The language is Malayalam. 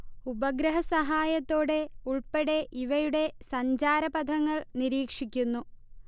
ഉപഗ്രഹ സഹായത്തോടെ ഉൾപ്പെടെ ഇവയുടെ സഞ്ചാരപഥങ്ങൾ നിരീക്ഷിക്കുന്നു